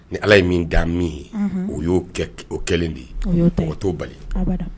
Ni ala ye min da min ye o y'o o kɛlen de ye pɔntɔ bali